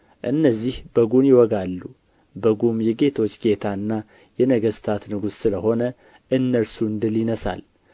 እነዚህ በጉን ይወጋሉ በጉም የጌቶች ጌታና የነገሥታት ንጉሥ ስለ ሆነ እነርሱን ድል ይነሣል